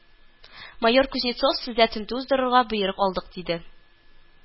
Майор Кузнецов, сездә тентү уздырырга боерык алдык, диде